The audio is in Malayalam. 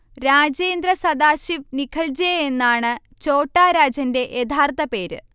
രാജേന്ദ്ര സദാശിവ് നിഖൽ. ജെ യെന്നാണ് ഛോട്ടാ രാജന്റെ യഥാർത്ഥ പേര്